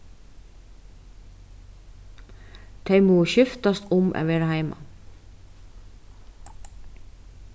tey mugu skiftast um at vera heima